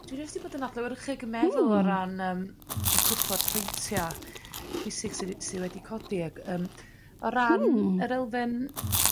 Dwi jyst 'di bod yn adlewyrchu ag yn meddwl o ran yrm y cwpl o'r poentia' pwysig sy sy wedi codi ag yrm o ran yr elfen